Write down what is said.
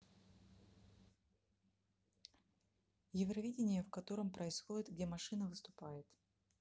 евровидение в котором происходит где маниша выступает